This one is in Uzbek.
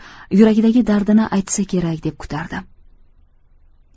yuragidagi dardini aytsa kerak deb kutardim